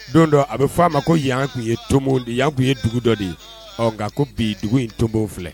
Don dɔ a bɛ f'a ma ko yan tun ye to yan tun ye dugu dɔ de ye ɔ nka ko bi dugu in tobow filɛ